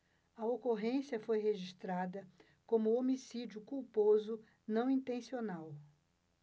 a ocorrência foi registrada como homicídio culposo não intencional